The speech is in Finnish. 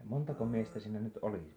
montako miestä siinä nyt oli